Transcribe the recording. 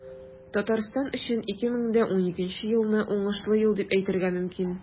Татарстан өчен 2012 елны уңышлы ел дип әйтергә мөмкин.